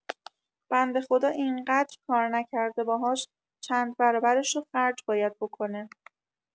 بنده خدا اینقدر کار نکرده باهاش چند برابرشو خرج باید بکنه